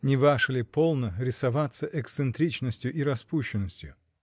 — Не ваше ли, полно, рисоваться эксцентричностью и распущенностью?